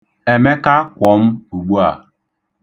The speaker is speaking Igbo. Emeka kwọ m ugbua.